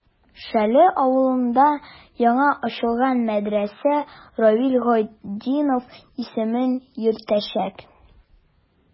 Шәле авылында яңа ачылган мәдрәсә Равил Гайнетдин исемен йөртәчәк.